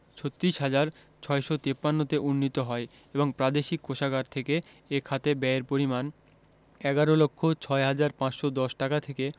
৩৬ হাজার ৬৫৩ তে উন্নীত হয় এবং প্রাদেশিক কোষাগার থেকে এ খাতে ব্যয়ের পরিমাণ ১১ লক্ষ ৬ হাজার ৫১০ টাকা থেকে